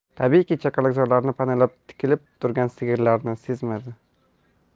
tabiiyki chakalakzorni panalab tikilib turgan sigirlarni sezmadi